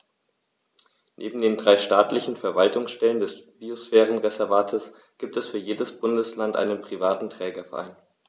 Neben den drei staatlichen Verwaltungsstellen des Biosphärenreservates gibt es für jedes Bundesland einen privaten Trägerverein.